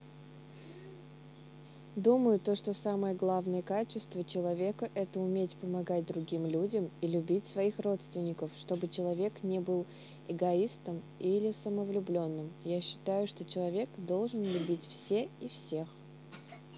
думаю то что самое главное качество человека это уметь помогать другим людям и любить своих родственников чтобы человек не был эгоистом или самовлюбленным я считаю что человек должен любить все и всех